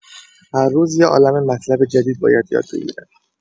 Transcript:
هر روز یه عالمه مطلب جدید باید یاد بگیرم